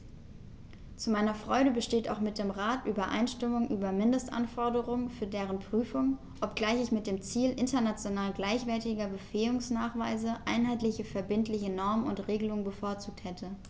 Zu meiner Freude besteht auch mit dem Rat Übereinstimmung über Mindestanforderungen für deren Prüfung, obgleich ich mit dem Ziel international gleichwertiger Befähigungsnachweise einheitliche verbindliche Normen und Regelungen bevorzugt hätte.